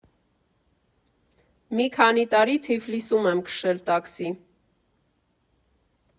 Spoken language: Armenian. Մի քանի տարի Թիֆլիսում եմ քշել տաքսի։